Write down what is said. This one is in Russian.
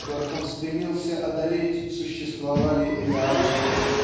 которых он стремился одолеть существовали реально